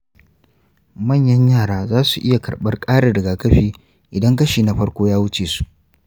manyan yara za su iya karɓar ƙarin rigakafi idan kashi na farko ya wuce su.